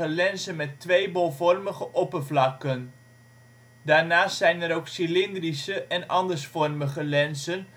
lenzen met twee bolvormige oppervlakken. Daarnaast zijn er ook cilindrische en andervormige lenzen